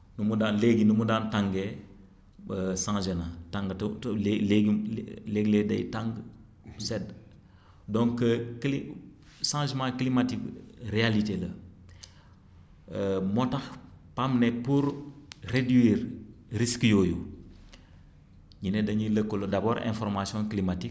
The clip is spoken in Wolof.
nu mu daan léegi nu mu daan tàngee changé na tànga léegi léeg-léeg day tàng sedd donc cli changement climatique bi réalité la moo tax PAM ne pour réduire risques yooyu ñu ne dañuy lëkkaloo ndax wër information climatique